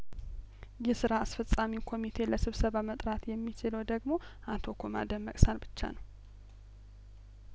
የስራ አስፈጻሚ ኮሚቴ ለስብሰባ መጥራት የሚችለው ደግሞ አቶ ኩማ ደመቅሳን ብቻ ነው